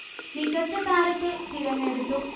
മികച്ച താരത്തെ തിരഞ്ഞെടുത്തു